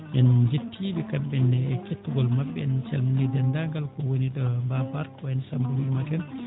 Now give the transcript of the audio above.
en njettii ɓe kamɓe ne e kettagol maɓɓe en calminii deenndaangal ko woni ɗo Baafaar ko wayi no Samba Houlimata en